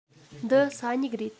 འདི ས སྨྱུག རེད